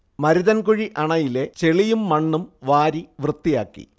മരുതൻകുഴി അണയിലെ ചെളിയും മണ്ണും വാരി വൃത്തിയാക്കി